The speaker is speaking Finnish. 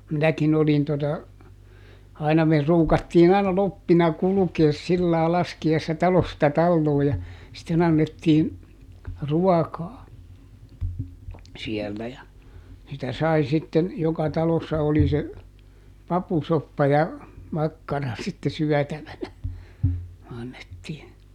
minäkin olin tuota aina me ruukattiin aina kloppina kulkea sillä lailla laskiaisena talosta taloon ja sitten annettiin ruokaa siellä ja sitä sai sitten joka talossa oli se papusoppa ja makkara sitten syötävänä annettiin